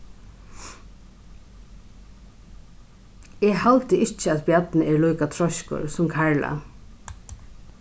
eg haldi ikki at bjarni er líka treiskur sum karla